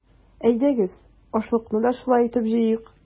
Әйдәгез, ашлыкны да шулай итеп җыйыйк!